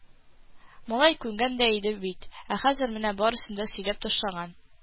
Малай күнгән иде дә бит, ә хәзер менә барысын да сөйләп ташлаган